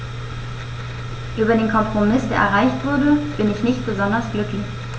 Über den Kompromiss, der erreicht wurde, bin ich nicht besonders glücklich.